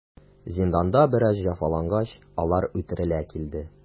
Зинданда бераз җәфалангач, алар үтерелә килде.